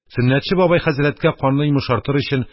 Сөннәтче бабай хәзрәткә, канны йомшартыр өчен,